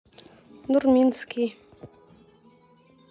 нурминский